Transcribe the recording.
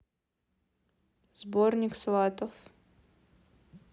сборник сватов